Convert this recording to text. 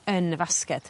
yn y fasged